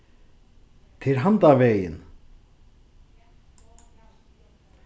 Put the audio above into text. tað er handan vegin